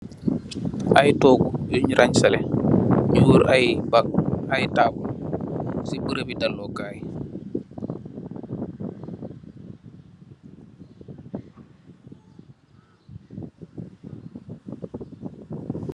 Ay toguh yun ranseleh ñu war ay bangak ay tabull ci barabi dallukai.